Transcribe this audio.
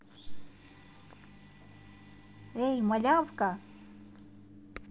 эй малявка